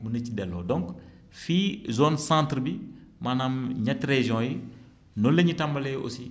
mën na ci delloo donc fii zone centre bi maanaam ñetti région yi noonu la ñuy tàmbalee aussi